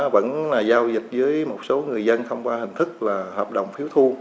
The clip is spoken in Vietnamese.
á vẫn là giao dịch dưới một số người dân thông qua hình thức là hợp đồng phiếu thu